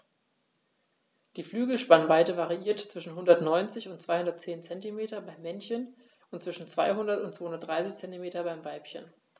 Die Flügelspannweite variiert zwischen 190 und 210 cm beim Männchen und zwischen 200 und 230 cm beim Weibchen.